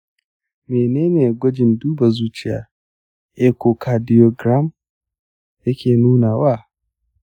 mene ne gwajin duba zuciya echocardiogram yake nunawa?